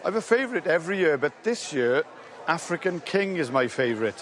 I've a favourite every year but this year, African King is my favourite.